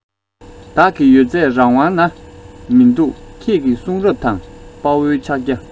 བདག གི ཡོད ཚད རང དབང ན མི འདུག ཁྱེད ཀྱི གསུང རབ དང དཔའ བོའི ཕྱག རྒྱ